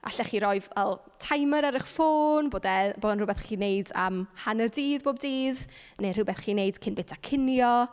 Allech chi roi fel timer ar eich ffôn, bod e bod e'n rywbeth chi'n ei wneud am hanner dydd bob dydd, neu rhywbeth chi'n wneud cyn byta cinio.